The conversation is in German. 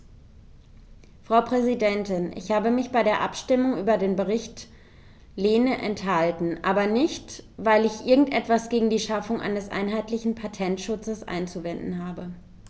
Frau Präsidentin, ich habe mich bei der Abstimmung über den Bericht Lehne enthalten, aber nicht, weil ich irgend etwas gegen die Schaffung eines einheitlichen Patentschutzes einzuwenden habe.